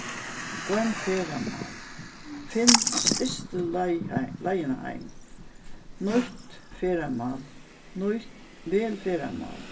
goym ferðamál finn stytstu leið leiðina heim nýtt ferðamál vel ferðamál